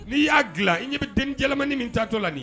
N'i y'a dilan i ɲɛ bɛ denjamani min tatɔ la nin